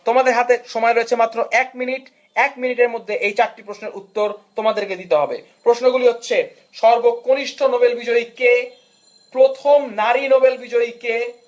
তোমাদের হাতে সময় রয়েছে মাত্র এক মিনিট এক মিনিটের মধ্যেই চারটি প্রশ্নের উত্তর তোমাদেরকে দিতে হবে প্রশ্নগুলো হচ্ছে সর্ব কনিষ্ঠ নোবেল বিজয়ী কে প্রথম নারী নোবেল বিজয়ী কে